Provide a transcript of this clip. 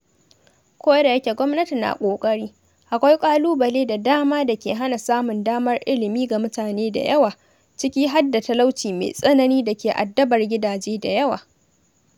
Ko da yake gwamnati na ƙoƙari, akwai ƙalubale da dama da ke hana samun damar ilimi ga mutane da yawa, ciki har da talauci mai tsanani da ke addabar gidaje da yawa.